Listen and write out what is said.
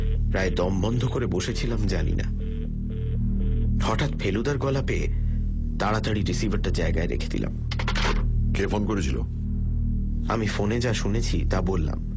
প্রায় দম বন্ধ করে বসেছিলাম জানি না হঠাৎ ফেলুদার গলা পেয়ে তাড়াতাড়ি রিসিভারটাকে জায়গায় রেখে দিলাম কে ফোন করেছিল আমি ফোনে যা শুনেছি তা বললাম